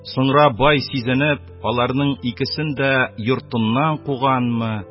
Соңра бай сизенеп, аларның икесен дә йортыннан куганмы